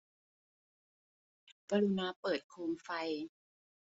กรุณาเปิดโคมไฟ